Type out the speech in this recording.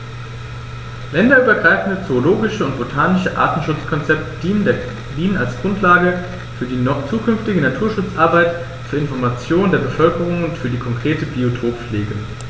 Länderübergreifende zoologische und botanische Artenschutzkonzepte dienen als Grundlage für die zukünftige Naturschutzarbeit, zur Information der Bevölkerung und für die konkrete Biotoppflege.